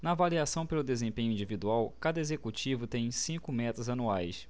na avaliação pelo desempenho individual cada executivo tem cinco metas anuais